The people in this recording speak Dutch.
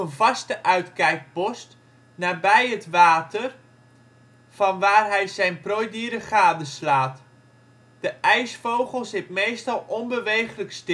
vaste uitkijkpost nabij het water vanwaar hij zijn prooidieren gadeslaat. De ijsvogel zit meestal onbeweeglijk